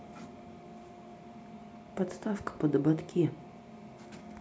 подставка под ободки